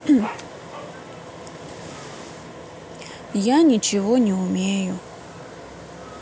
я ничего не умею